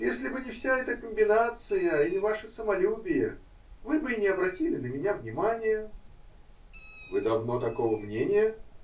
Если бы не вся эта комбинация и не ваше самолюбие, вы бы и не обратили на меня внимания. -- Вы давно такого мнения?